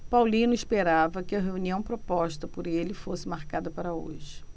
paulino esperava que a reunião proposta por ele fosse marcada para hoje